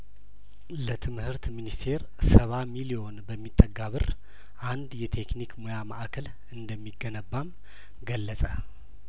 ለትምህርት ሚኒስቴር ሰባ ሚሊዮን በሚጠጋ ብር አንድ የቴክኒክ ሙያ ማእከል እንደሚገነባም ገለጸ